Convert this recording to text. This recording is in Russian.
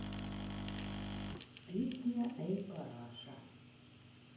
песня эй параша